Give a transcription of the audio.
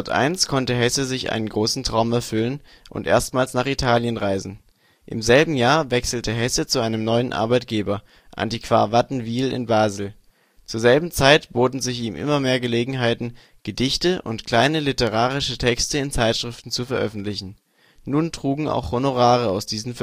1901 konnte Hesse sich einen großen Traum erfüllen und erstmals nach Italien reisen. Im selben Jahr wechselte Hesse zu einem neuen Arbeitgeber, Antiquar Wattenwyl in Basel. Zur selben Zeit boten sich ihm immer mehr Gelegenheiten, Gedichte und kleine literarische Texte in Zeitschriften zu veröffentlichen. Nun trugen auch Honorare aus diesen